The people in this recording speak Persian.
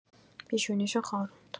پیشونیش رو خاروند